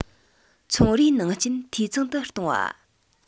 ཚོང རའི ནང རྐྱེན འཐུས ཚང དུ གཏོང བ